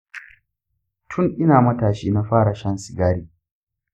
tun ina matashi na fara shan sigari